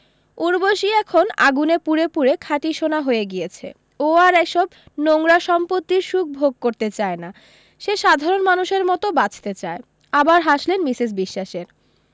ঊর্বশী এখন আগুনে পুড়ে পুড়ে খাঁটি সোনা হয়ে গিয়েছে ও আর এইসব নোংরা সম্পত্তির সুখ ভোগ করতে চায় না সে সাধারণ মানুষের মতো বাঁচতে চায় আবার হাসলেন মিসেস বিশ্বাসের